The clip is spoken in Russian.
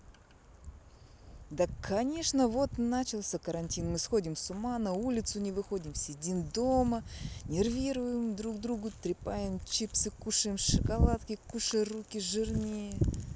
да конечно вот начался карантин мы сходим с ума на улицу не выходим сидим дома нервируют другу трепаем чипсы кушаем шоколадки кушай руки жирнее